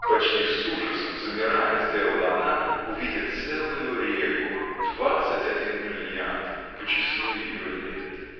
— почти с ужасом, замирая, сделала она, увидя целую реку — двадцать один брильянт, по числу ее лет.